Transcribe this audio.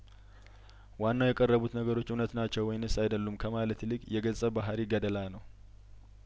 ዋናው የቀረቡት ነገሮች እውነት ናቸው ወይስ አይደሉም ከማለት ይልቅ የገጸ ባህሪ ገደላ ነው